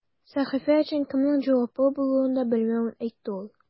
Сәхифә өчен кемнең җаваплы булуын да белмәвен әйтте ул.